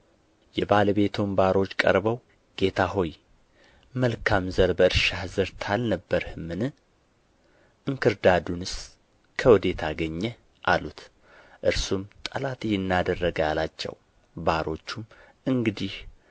የባለቤቱም ባሮች ቀርበው ጌታ ሆይ መልካምን ዘር በእርሻህ ዘርተህ አልነበርህምን እንክርዳዱንስ ከወዴት አገኘ አሉት እርሱም ጠላት ይህን አደረገ አላቸው ባሮቹም እንግዲህ